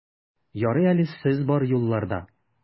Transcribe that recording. Ярый әле сез бар юлларда!